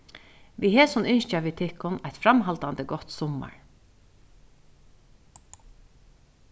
við hesum ynskja vit tykkum eitt framhaldandi gott summar